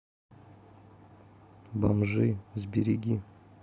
бомжи сбереги